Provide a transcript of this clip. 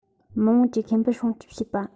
མི དམངས ཀྱི ཁེ ཕན སྲུང སྐྱོང བྱེད པ